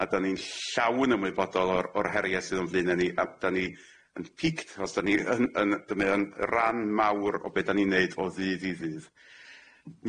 A' dan ni'n llawn ymwybodol o'r o'r herie sydd o'n bleune ni a' dan ni yn piqued os dan ni yn yn dymae yn ran mawr o be' dan ni'n neud o ddydd i ddydd.